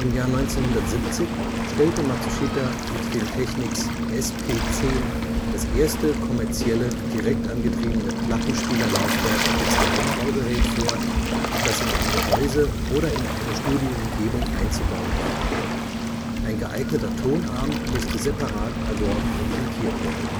Jahr 1970 stellte Matsushita mit dem Technics SP-10 das erste kommerzielle direktangetriebene Plattenspielerlaufwerk als Einbaugerät vor, das in ein Gehäuse oder in eine Studioumgebung einzubauen war. Ein geeigneter Tonarm musste separat erworben und montiert werden